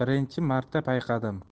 birinchi marta payqadim